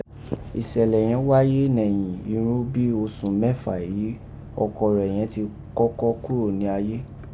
Iṣẹlẹ yẹ̀n waye nẹ̀yìn irun bii osùn mẹwaa èyí ọkọ rẹ yẹ̀n ti kọkọ kúrò ni ayé.